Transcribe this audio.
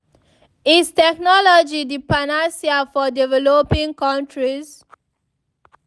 Is technology the panacea for developing countries?